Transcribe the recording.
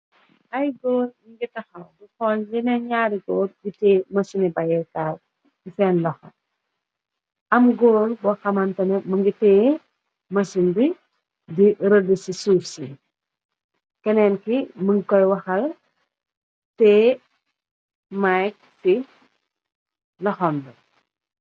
Ay góol ngi taxaw bu xool yina ñaari góor gi tee mësini bayekaar bu feen loxa. am gool bo xamantane më ngitee mësin bi di rëdd ci suufsi , keneen ki mën koy waxal tée myk fi loxam be.